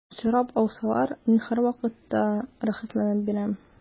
Сорап алсалар, мин һәрвакытта рәхәтләнеп бирәм.